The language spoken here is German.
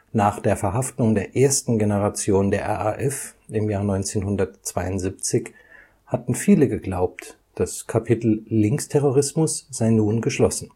Nach der Verhaftung der ersten Generation der RAF im Jahr 1972 hatten viele geglaubt, das Kapitel Linksterrorismus sei nun geschlossen